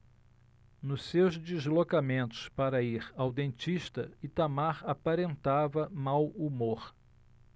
nos seus deslocamentos para ir ao dentista itamar aparentava mau humor